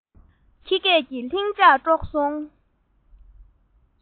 ཁྱི སྐད ཀྱིས ལྷིང འཇགས དཀྲོགས སོང